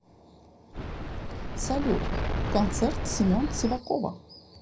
салют концерт семен сивакова